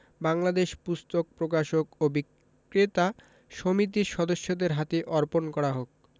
বাংলাদেশ পুস্তক প্রকাশক ও বিক্রেতা সমিতির সদস্যদের হাতে অর্পণ করা হোক